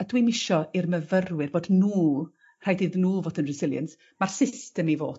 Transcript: a dwi'n isio i'r myfyrwyr bod n'w rhaid iddyn n'w fod yn resilient*. Ma'r system i fod